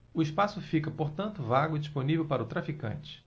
o espaço fica portanto vago e disponível para o traficante